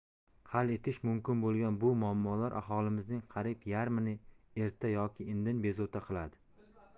hal etish mumkin bo'lgan bu muammolar aholimizning qariyb yarmini erta yoki indin bezovta qiladi